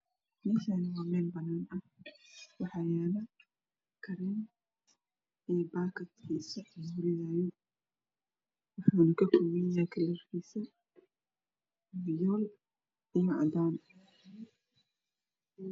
Meshani waa mel banan ah waxa yalo Karen iyo bakadkisalagu ridayo waxa uu ka kobanyahay kalarkiisa biyoli iyo cadan